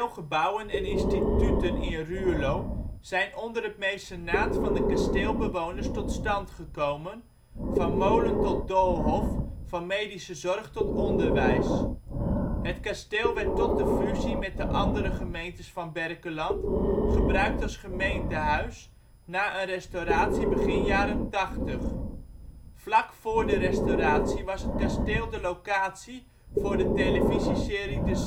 gebouwen en instituten in Ruurlo zijn onder het mecenaat van de kasteelbewoners tot stand gekomen: van molen tot doolhof, van medische zorg tot onderwijs. Het kasteel werd tot de fusie met de andere gemeentes van Berkelland gebruikt als gemeentehuis, na een restauratie begin jaren tachtig. Vlak voor de restauratie was het kasteel de locatie voor de televisieserie ' De Zevensprong